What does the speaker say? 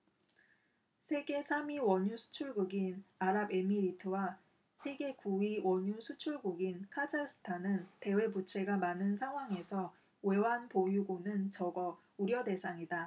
세계 삼 위 원유수출국인 아랍에미리트와 세계 구 위 원유수출국인 카자흐스탄은 대외부채가 많은 상황에서 외환보유고는 적어 우려대상이다